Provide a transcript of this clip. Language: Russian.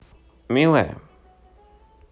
милая